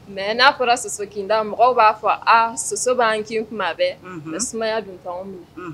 Mɛ n'a fɔra soso kinda mɔgɔw b'a fɔ a soso b'an kin kun bɛɛ mɛ sumayaya dun fɛn bi